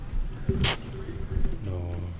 Naamu